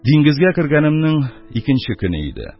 Диңгезгә кергәнемнең икенче көне иде.